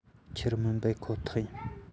ཆར མི འབབ ཁོ ཐག ཡིན